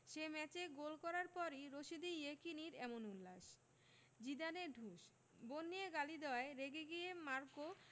সে ম্যাচে গোল করার পরই রশিদী ইয়েকিনির এমন উল্লাস জিদানের ঢুস বোন নিয়ে গালি দেওয়ায় রেগে গিয়ে মার্কো